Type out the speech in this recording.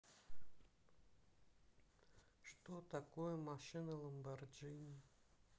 что такое машина ламборджини